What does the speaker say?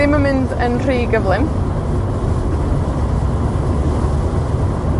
ddim yn mynd yn rhy gyflym.